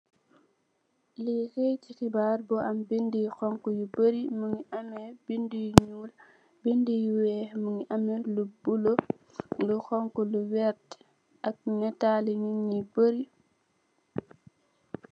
Xibarr bi am bindi yu xonxu yu bori mungi ameh bindi yu ñul bindi yu wekh mungi ameh lu bulo lu xonxu lu wertt ak natali nityu barri.